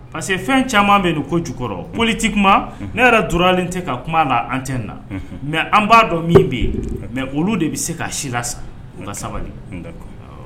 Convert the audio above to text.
Parce que fɛn caman bɛ don ko jukɔrɔ politi kuma ne yɛrɛ dulen tɛ ka kuma la an tɛ na mɛ an b'a dɔn min bɛ yen mɛ olu de bɛ se ka si la sa ka sabali